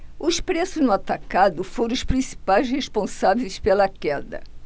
os preços no atacado foram os principais responsáveis pela queda